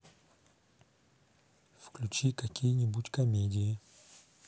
включи какие нибудь комедии